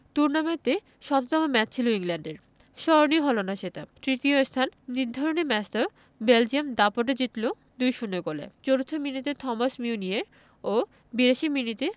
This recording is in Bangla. টুর্নামেন্টে শততম ম্যাচ ছিল ইংল্যান্ডের স্মরণীয় হলো না সেটা তৃতীয় স্থান নির্ধারণী ম্যাচটা বেলজিয়াম দাপটে জিতল ২ ০ গোলে চতুর্থ মিনিটে থমাস মিউনিয়ের ও ৮২ মিনিটে